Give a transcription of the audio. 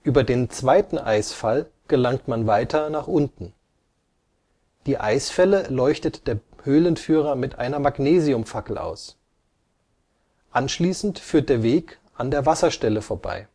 Über den zweiten Eisfall gelangt man weiter nach unten. Die Eisfälle leuchtet der Höhlenführer mit einer Magnesiumfackel aus. Anschließend führt der Weg an der Wasserstelle vorbei